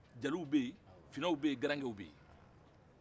funɛw bɛ yen garankew bɛn yen